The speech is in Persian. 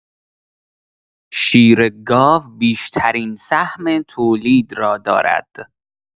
شیر گاو بیشترین سهم تولید را دارد.